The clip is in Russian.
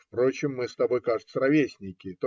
Впрочем, мы с тобой, кажется, ровесники